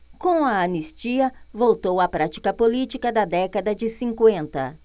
com a anistia voltou a prática política da década de cinquenta